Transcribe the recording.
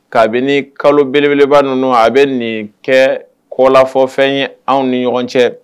Kabini kalo belebeleba ninnu a bɛ nin kɛ kɔfɔfɛn ye anw ni ɲɔgɔn cɛ